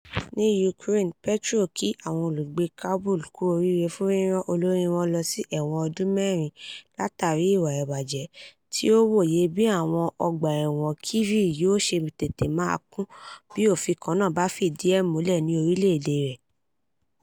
Ní Ukraine, Petro kí àwọn olùgbé Kabul kú oríire fún rírán olórí wọn lọ sí ẹ̀wọ̀n ọdún mẹ́rin látàrí ìwà ìbàjẹ́, tí ó wòye bí àwọn ọgbà ẹ̀wọ̀n Kyiv yóò ṣe tètè máa kún bí òfin kan náà bá fi ìdí múlẹ̀ ní orílẹ̀ èdè rẹ̀.